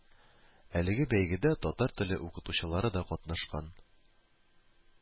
Әлеге бәйгедә татар теле укытучылары да катнашкан